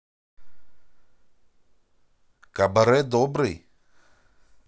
кабаре добрый